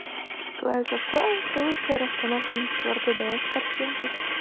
clash of clans лучшие расстановки на четвертый дс картинки